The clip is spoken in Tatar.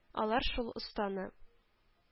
Алар шул останы